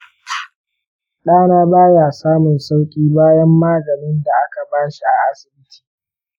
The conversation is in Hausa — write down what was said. ɗana baya samun sauƙi bayan maganin da aka ba shi a asibiti